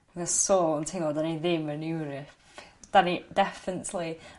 mae o so yn teimlo 'dan ni ddim yn Ewrop. 'Dan ni definately